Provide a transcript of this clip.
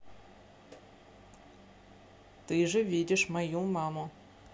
ты же видишь мою маму